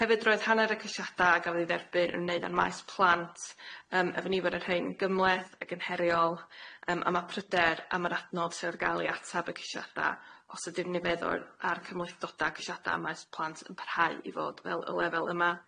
Hefyd roedd hanner y ceisiada a gafodd ei dderbyn yn wneud ar maes plant yym a fy' nifer o'rrhein gymleth ag yn heriol yym a ma' pryder am yr adnod sydd ar ga'l i atab y casiada os ydi'r nifedd o ar cymhlethdoda' casiada maes plant yn parhau i fod fel y lefel yma.